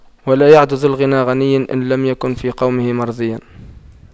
ولا يعد ذو الغنى غنيا إن لم يكن في قومه مرضيا